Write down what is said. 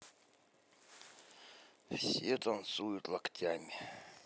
все танцуют локтями